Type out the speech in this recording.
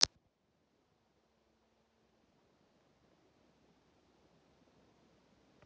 по утрам